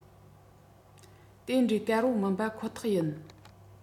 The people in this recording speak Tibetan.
དེ འདྲའི དཀར བོ མིན པ ཁོ ཐག ཡིན